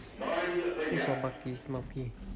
у собак есть мозги